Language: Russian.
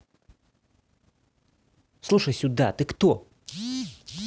слушай сюда ты кто